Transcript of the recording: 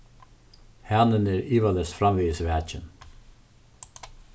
hanin er ivaleyst framvegis vakin